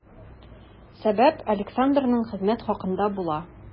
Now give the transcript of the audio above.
Сәбәп Александрның хезмәт хакында була.